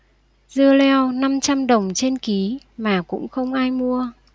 dưa leo năm trăm đồng trên ký mà cũng không ai mua